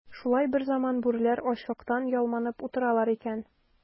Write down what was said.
Шулай берзаман бүреләр ачлыктан ялманып утыралар икән.